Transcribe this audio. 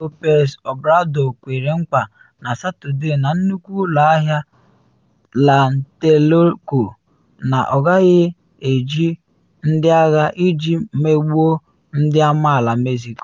Lopez Obrador kwere nkwa na Satọde na Nnukwu Ụlọ Ahịa Tlatelolco na “ọ gaghị eji ndị agha iji megbuo ndị amaala Mexico.”